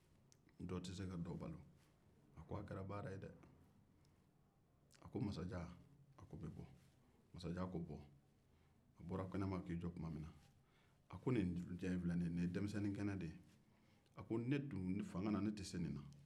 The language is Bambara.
a ko a kɛra baara ye dɛ a ko n bɛ bɔ masajan a bɔra k'i jɔ kɛnɛ ma tuma min na a ko nin ce in ye denmisɛnnin kɛnɛ de ye ne dun tɛ se nin na fanga na